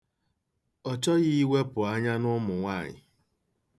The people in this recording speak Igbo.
Ọ chọghị iwepụ anya n'ụmụ nwaanyị.